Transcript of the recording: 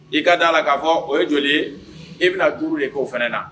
I ka daa la k kaa fɔ o ye joli ye i bɛna juru de k'o fana na